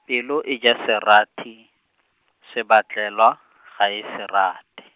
pelo e ja serati, sebatlelwa, ga e se rate.